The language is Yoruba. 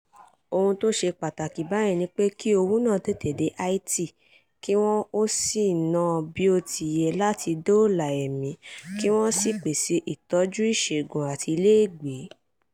Ohun tí ó ṣe pàtàkì báyìí ni pé kí owó náà tètè de Haiti kí wọn ó sì na bí ó ti yẹ láti dóòlà ẹ̀mí, kí wọ́n ó sì pèsè ìtọ́jú ìṣègùn àti ilégbèé.